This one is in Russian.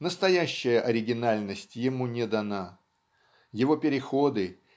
Настоящая оригинальность ему не дана. Его переходы